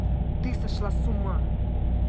ты сошла с ума